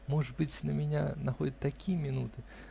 Может быть, на меня находят такие минуты.